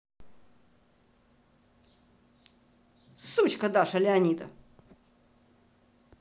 сучка даша леонида